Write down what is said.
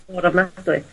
...mor ofnadwy.